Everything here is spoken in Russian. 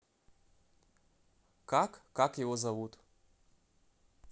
как как его зовут